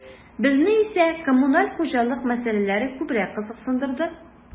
Безне исә коммуналь хуҗалык мәсьәләләре күбрәк кызыксындырды.